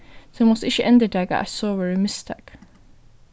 tú mást ikki endurtaka eitt sovorðið mistak